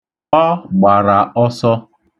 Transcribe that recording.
Ọ gbara ọsọ.